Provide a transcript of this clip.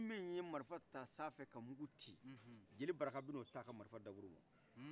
ni min ye marifa ta sanfɛ ka mugu ci jeli baraka bin'o ta a ka marifa daburuma